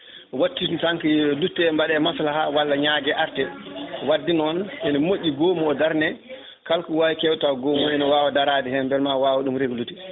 wattinta tan ko dutte mbaɗe maslaha walla ñaague arte wadde noon ene moƴƴi goto fo mowo darne kalko wawi kewde taw goto fo ene wawa darade hen beel ma waw ɗum reglude